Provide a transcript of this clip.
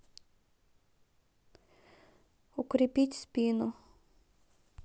укрепить спину